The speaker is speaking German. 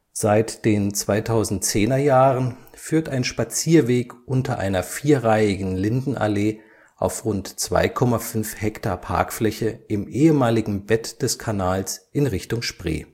Seit den 2010er Jahren führt ein Spazierweg unter einer vierreihigen Lindenallee auf rund 2,5 Hektar Parkfläche im ehemaligen Bett des Kanals in Richtung Spree